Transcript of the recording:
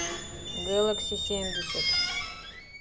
гэлакси семьдесят